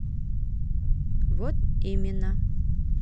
вот именно